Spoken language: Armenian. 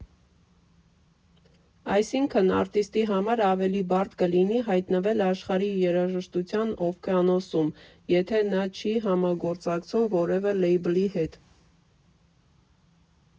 Այսինքն՝ արտիստի համար ավելի բարդ կլինի հայտնվել աշխարհի երաժշտության օվկիանոսում, եթե նա չի համագործակցում որևէ լեյբլի հետ։